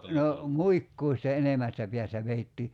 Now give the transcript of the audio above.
no muikkua sitä enemmästä päästä vedettiin